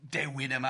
dewin yma,